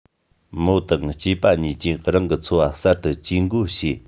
མོ དང སྐྱེས པ གཉིས ཀྱིས རང གི འཚོ བ གསར དུ ཇུས འགོད བྱས